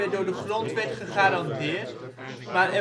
door de grondwet gegarandeerd, maar